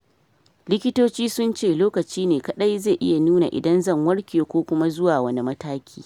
Likitoci sunce lokaci ne kadai zai iya nuna idan zan warke ko kuma zuwa wane mataki.